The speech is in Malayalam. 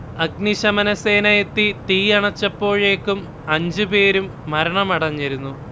അഗ്നിശമനസേന എത്തി തീ അണച്ചപ്പോഴേക്കും അഞ്ചുപേരും മരണമടഞ്ഞിരുന്നു